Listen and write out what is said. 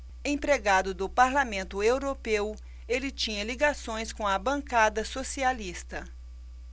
empregado do parlamento europeu ele tinha ligações com a bancada socialista